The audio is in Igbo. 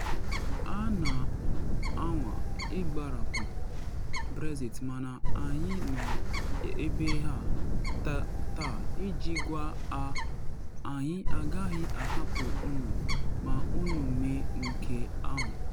‘Ha na anwa ịgbarapụ Brexit mana anyị nọ ebe a taa iji gwa ha ‘anyị agaghị ahapụ unu ma unu mee nke ahụ’.’